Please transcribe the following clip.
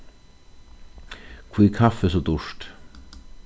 hví er kaffi so dýrt